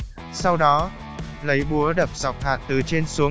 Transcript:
sau đó lấy búa đập dọc hạt từ trên xuống